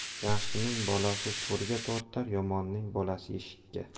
yaxshining bolasi to'rga tortar yomonning bolasi eshikka